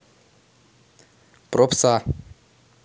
про пса